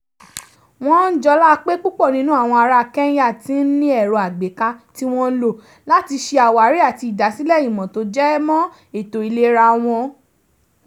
Wọ́n ń jọlá pé púpọ̀ nínú àwọn ará Kenya tí n ní ẹ̀rọ àgbéká, tí wọ́n lò ó láti ṣe àwárí àtí ìdásílẹ̀ ìmọ̀ tó jẹ mọ́ ètò ìlera wọn